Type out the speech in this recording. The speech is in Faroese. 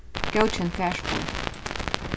góðkenn farspor